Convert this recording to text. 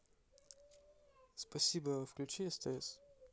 спасибо включи стс